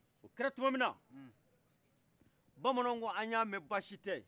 o kɛra tuma min na bamananw ko an ye a mɛn basitɛ